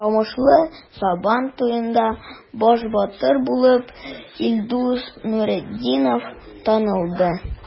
Камышлы Сабан туенда баш батыр булып Илдус Нуретдинов танылды.